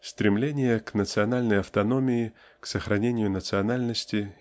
Стремление к национальной автономии к сохранению национальности